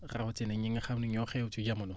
rawatina ñi nga xam ne ñoo xew ci jamono